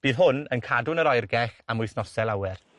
Bydd hwn yn cadw yn yr oergell am wythnose lawer.